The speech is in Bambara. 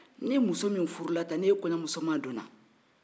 n'e muso min furu la tan n'e kɔɲɔmusoman don na